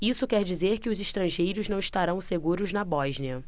isso quer dizer que os estrangeiros não estarão seguros na bósnia